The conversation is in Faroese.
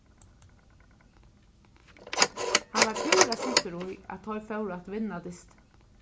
hann var púra sikkur í at teir fóru at vinna dystin